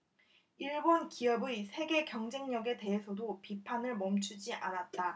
일본 기업의 세계 경쟁력에 대해서도 비판을 멈추지 않았다